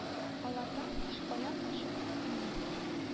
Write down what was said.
Алардан һичкая качып булмый